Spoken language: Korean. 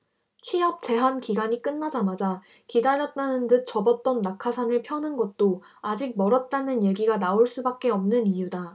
취업제한 기간이 끝나자마자 기다렸다는 듯 접었던 낙하산을 펴는 것도 아직 멀었다는 얘기가 나올 수밖에 없는 이유다